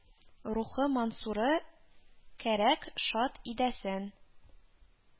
Рухы Мансуры, кәрәк шад идәсән